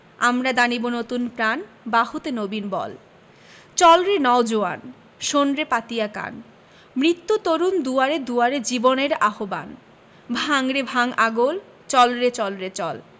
আমরা দানিব নতুন প্রাণ বাহুতে নবীন বল চল রে নও জোয়ান শোন রে পাতিয়া কান মৃত্যু তরুণ দুয়ারে দুয়ারে জীবনের আহবান ভাঙ রে ভাঙ আগল চল রে চল রে চল